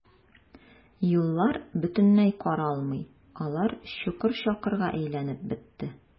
Юллар бөтенләй каралмый, алар чокыр-чакырга әйләнеп бетте.